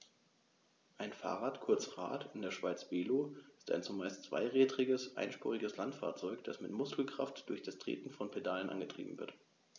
Ein Fahrrad, kurz Rad, in der Schweiz Velo, ist ein zumeist zweirädriges einspuriges Landfahrzeug, das mit Muskelkraft durch das Treten von Pedalen angetrieben wird.